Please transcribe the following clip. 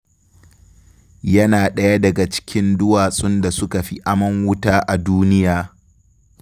Yana ɗaya daga cikin duwatsun da suka fi amon wuta a duniya.